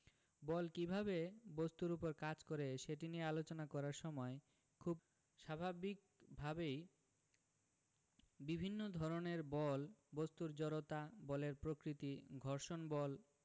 বল কীভাবে বস্তুর উপর কাজ করে সেটি নিয়ে আলোচনা করার সময় খুব স্বাভাবিকভাবেই বিভিন্ন ধরনের বল বস্তুর জড়তা বলের প্রকৃতি ঘর্ষণ বল